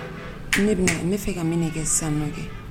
Ne bɛna n bɛ fɛ ka min kɛ san nɔ kɛ